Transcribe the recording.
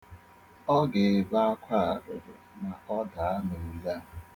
Ọ ga-ebe akwa arịrị ma ọ daa n'ule a.